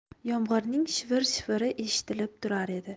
yomg'irning shivir shiviri eshitilib turar edi